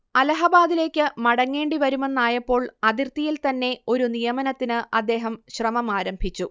അലഹബാദിലേക്ക് മടങ്ങേണ്ടി വരുമെന്നായപ്പോൾ അതിർത്തിയിൽത്തന്നെ ഒരു നിയമനത്തിന് അദ്ദേഹം ശ്രമമാരംഭിച്ചു